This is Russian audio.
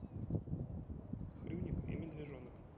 хрюник и медвежонок